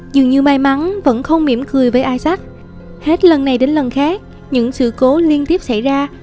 dường như may mắn vẫn ko mỉm cười với isaac hết lần này đến lần khác những sự cố liên tiếp xảy ra